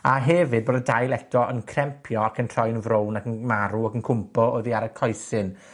A hefyd bod y dail eto yn crempio ac yn troi'n frown ac yn marw, ac yn cwmpo oddi ar y coesyn.